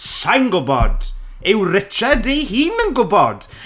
Sai'n gwybod yw Richard ei hun yn gwybod?